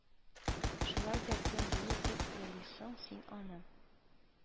Шулай да кем булыр дип уйлыйсың син аны